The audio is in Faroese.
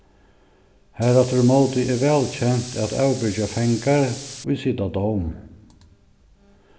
harafturímóti er væl kent at avbyrgja fangar ið sita dóm